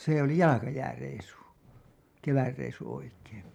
se oli jalkajääreissu kevätreissu oikein